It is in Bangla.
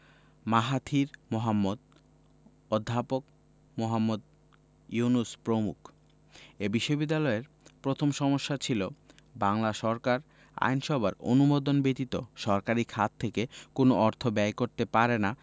মাহাথির মোহাম্মদ অধ্যাপক মুহম্মদ ইউনুস প্রমুখ এ বিশ্ববিদ্যালয়ের প্রথম সমস্যা ছিল বাংলা সরকার আইনসভার অনুমোদন ব্যতীত সরকারি খাত থেকে কোন অর্থ ব্যয় করতে পারে না